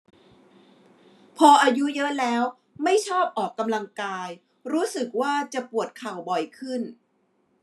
พออายุเยอะแล้วไม่ชอบออกกำลังกายรู้สึกว่าจะปวดเข่าบ่อยขึ้น